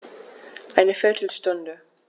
Eine viertel Stunde